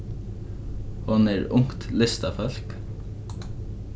hon er ungt listafólk